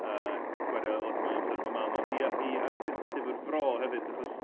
A gwario lot mwy o amser efo mam, ond ia i ailgysylltu efo'r fro hefyd, achos...